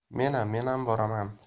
menam menam boraman